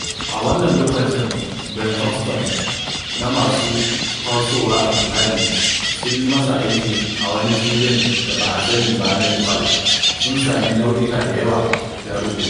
A wannan lokacin Brian Hodgson na masu kwasowa a Nepali sun yi masa aiki a wannan filin da ba a sani ba na Nepal sun sami nau'ika da yawa, ya rubuta.